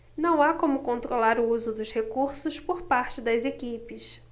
não há como controlar o uso dos recursos por parte das equipes